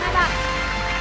bạn